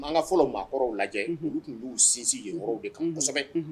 Makan fɔlɔ maakɔrɔw lajɛ olu tun'u sinsin yɔrɔw de kansɛbɛ